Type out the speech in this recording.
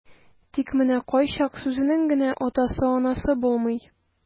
Тик менә кайчак сүзенең генә атасы-анасы булмый.